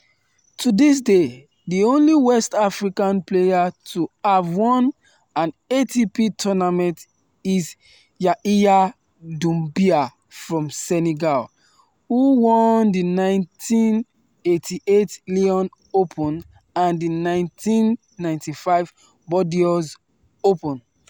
To this day, the only West African player to have won an ATP tournament is Yahiya Doumbia from Senegal, who won the 1988 Lyon Open and the 1995 Bordeaux Open.